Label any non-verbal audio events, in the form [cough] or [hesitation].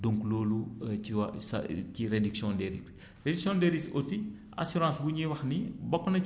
donc loolu [hesitation] ci waa sa ci réduction des des risques aussi assurance bu ñuy wax ni bokk na ci